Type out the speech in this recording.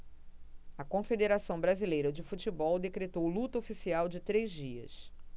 a confederação brasileira de futebol decretou luto oficial de três dias